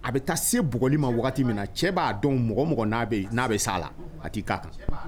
A be taa se bugɔli ma wagati min na cɛ ba dɔn mɔgɔ mɔgɔ na bi se a la, a ti kɛ a kan.